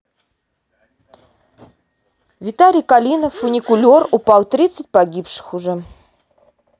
виталий калинов фуникулер упал тринадцать погибших уже